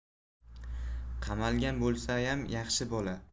qamalgan bo'lsayam yaxshi bola